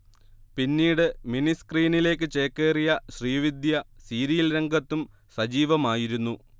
പിന്നീട് മിനി സ്ക്രീനിലേക്ക് ചേക്കേറിയ ശ്രീവിദ്യ സീരിയൽ രംഗത്തും സജീവമായിരുന്നു